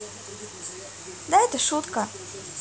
дай это шутка